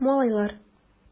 Майлар